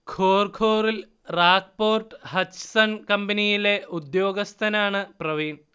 Khor ഖോറിൽ RAK port Hutchison കമ്പനിയിലെ ഉദ്യോഗസ്ഥനാണ് പ്രവീൺ